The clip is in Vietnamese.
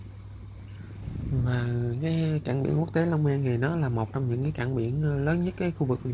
mà nghe chuẩn bị quốc tế năm đó là một trong những cảng biển lớn nhất cái khu vực